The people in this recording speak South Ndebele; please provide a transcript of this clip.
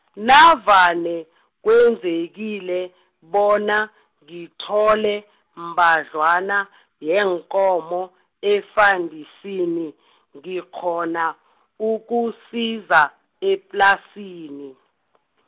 navane , kwenzekile, bona, ngithole, mbadlwana, yeenkomo, efandesini, ngikghona, ukuzisa, eplasini.